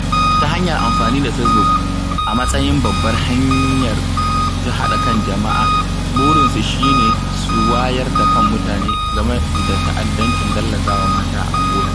Ta hanyar amfani da Fesbuk a matsayin babbar hanyarsu ta haɗa kan jama'a, burinsu shi ne su wayar da kan mutane game da ta'addancin gallazawa mata a Angola.